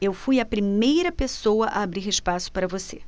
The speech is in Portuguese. eu fui a primeira pessoa a abrir espaço para você